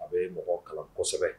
A bɛ mɔgɔ kalan kosɛbɛ